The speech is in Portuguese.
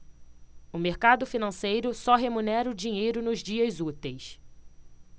o mercado financeiro só remunera o dinheiro nos dias úteis